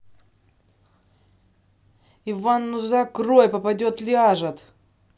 иван ну закрой попадет ляжет